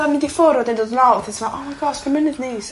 Na mynd i ffwr' a 'dyn yn ôl oh my gosh co mynydd neis.